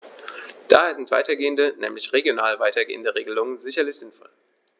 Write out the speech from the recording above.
Daher sind weitergehende, nämlich regional weitergehende Regelungen sicherlich sinnvoll.